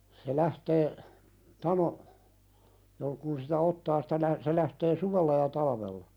se lähtee tano - kun sitä ottaa sitä - se lähtee suvella ja talvella